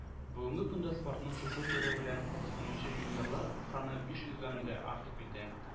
Бүгенге көндә спортның шушы төре белән кызыксынучы юниорлар саны биш йөздән дә артып китә